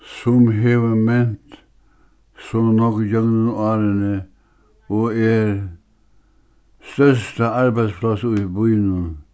sum hevur ment so nógv gjøgnum árini og er størsta arbeiðspláss í býnum